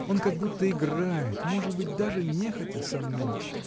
Он как будто играет, может быть, даже нехотя, со мной.